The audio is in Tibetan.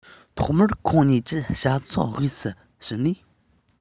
ཐོག མར ཁོང གཉིས ཀྱི བྱ ཚོགས དབུས སུ ཕྱིན ནས